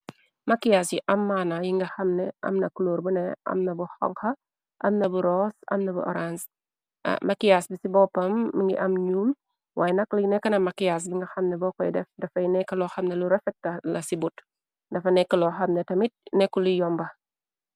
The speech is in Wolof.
Makiyaasu yu am maana, yinga xam ne am na kuloor bu ne, am na bu xonxu, am na bu ros, am na bu orans. Makiyaas bi ci boppam mu ngi am ñuul, waaye nak li nekka na makiyaas bi nga xam ne bo koy def, dafay nekk loo xam ne, lu refet la si bët, dafa nekk loo xam ne tamit nekk na lu yomba.